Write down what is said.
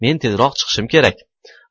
men tezroq chiqishim kerak